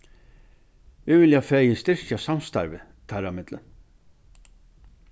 vit vilja fegin styrkja samstarvið teirra millum